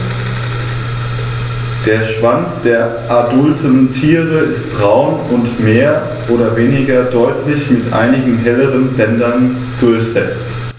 Der Schwanz der adulten Tiere ist braun und mehr oder weniger deutlich mit einigen helleren Bändern durchsetzt.